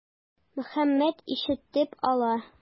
Мөхәммәт ишетеп ала.